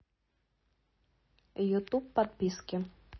ютуб подписки